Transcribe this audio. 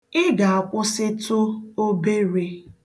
Ị ga-akwịsịtụ obere.